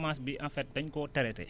semence bi en fait dañu ko traité